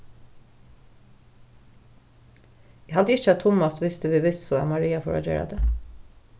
eg haldi ikki at tummas visti við vissu at maria fór at gera tað